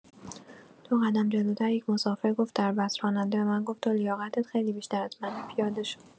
دو قدم جلوتر یک مسافر گفت دربست، راننده به من گفت تو لیاقتت خیلی بیشتر از منه پیاده شو!